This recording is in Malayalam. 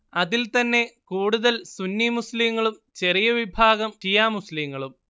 അതിൽ തന്നെ കൂടുതൽ സുന്നി മുസ്ലിങ്ങളും ചെറിയ വിഭാഗം ഷിയാ മുസ്ലിങ്ങളും